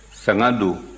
sanga don